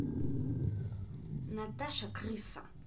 наташа крыса